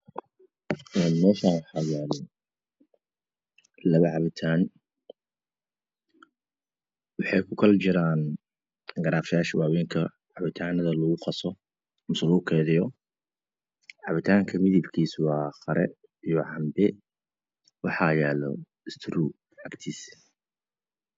Meshan waxaa yaalo labo cabitaan waxey kukale jiraan garaafa yaasha waa wey cabitaanada lagu qaso mama lagu keydiyo cabitanka midibkiisu waaqare iyo canbe waxaa yaalo Strood agtiisa